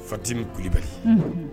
Fatim Kulibali unhun